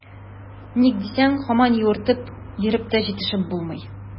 Ник дисәң, һаман юыртып йөреп тә җитешеп булмый.